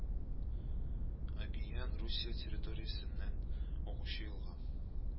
Агиян Русия территориясеннән агучы елга